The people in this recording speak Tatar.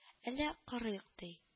Әллә корыйк ди